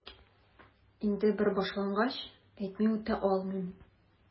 Инде бер башлангач, әйтми үтә алмыйм...